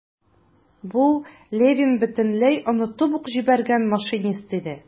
Бу - Левин бөтенләй онытып ук җибәргән машинист иде.